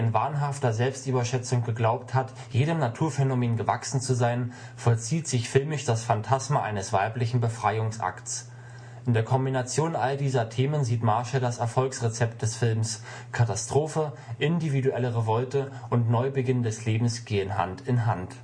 wahnhafter Selbstüberschätzung geglaubt hat, jedem Naturphänomen gewachsen zu sein, vollzieht sich filmisch das Phantasma eines weiblichen Befreiungsakts. “In der Kombination all dieser Themen sieht Marschall das Erfolgsrezept des Films: „ Katastrophe, individuelle Revolte und Neubeginn des Lebens gehen Hand in Hand